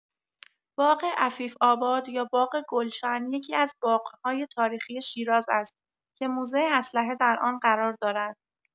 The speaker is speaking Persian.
باغ عفیف‌آباد یا باغ گلشن، یکی‌از باغ‌های تاریخی شیراز است که موزه اسلحه در آن قرار دارد.